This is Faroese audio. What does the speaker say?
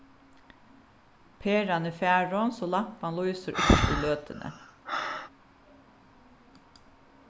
peran er farin so lampan lýsir ikki í løtuni